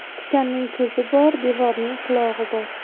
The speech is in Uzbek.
tikanning ko'zi bor devorning qulog'i bor